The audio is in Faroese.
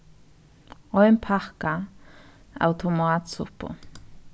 ein pakka av tomatsuppu